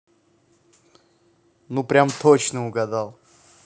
ну прям точно угадал